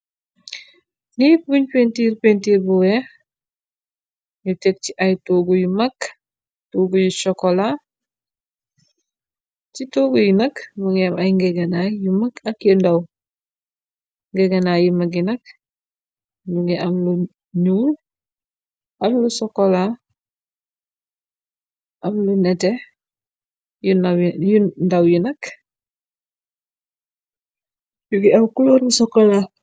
Niit buñ pentir pentiir buwe ñu teg ci a ci toogu yu nag. Mu ngi am ay ngegena yu mëg ak yu ndaw ngegena yi mag yi nag. Mu ngi am lu nuul am lu sokola am lu nete yu ndaw ynakk ugi aw clóorli sokola.